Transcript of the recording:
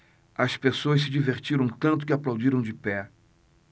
as pessoas se divertiram tanto que aplaudiram de pé